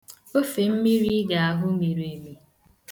Ofemmiri ị ga-ahụ miri emi.